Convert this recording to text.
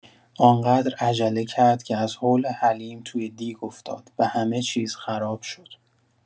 آن‌قدر عجله کرد که از هول حلیم توی دیگ افتاد و همه‌چیز خراب شد.